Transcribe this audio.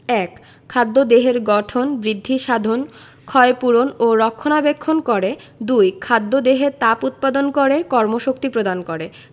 ১. খাদ্য দেহের গঠন বৃদ্ধিসাধন ক্ষয়পূরণ ও রক্ষণাবেক্ষণ করে ২. খাদ্য দেহে তাপ উৎপাদন করে কর্মশক্তি প্রদান করে